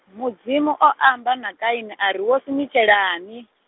Mudzimu o amba na Kaini ari wo sunyutshelani.